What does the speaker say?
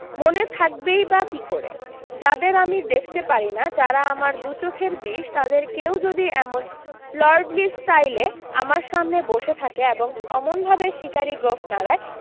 মনে থাকবেই বা কী করে যাদের আমি দেখতে পারি না যারা আমার দুচোখের বিষ তাদের কেউ যদি এমন লর্ডলি স্টাইলে আমার সামনে বসে থাকে এবং অমনভাবে শিকারী গোঁফ নাড়ায়